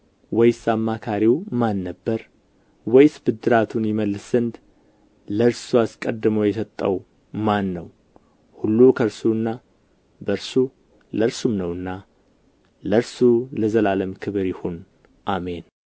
ወይስ አማካሪው ማን ነበር ወይስ ብድራቱን ይመልስ ዘንድ ለእርሱ አስቀድሞ የሰጠው ማን ነው ሁሉ ከእርሱና በእርሱ ለእርሱም ነውና ለእርሱ ለዘላለም ክብር ይሁን አሜን